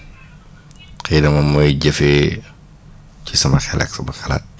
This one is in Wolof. xëy na moom mooy jëfee ci sama xel ak sama xalaat